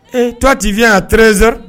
Ee toi tu viens à 13 heures